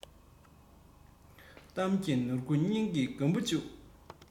གཏམ གྱི ནོར བུ སྙིང གི སྒམ དུ བཅུག